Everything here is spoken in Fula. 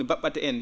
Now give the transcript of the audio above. ba??atti en nii